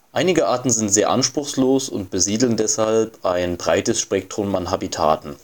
Einige Arten sind sehr anspruchslos und besiedeln deshalb ein breites Spektrum an Habitaten